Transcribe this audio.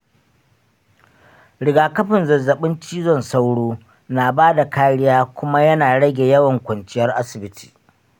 riga-kafin zazzaɓin cizon sauro na bada kariya kuma yana rage yawan kwanciyar asibiti,